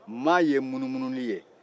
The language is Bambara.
ma ye munumununi ye